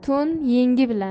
to'n yengi bilan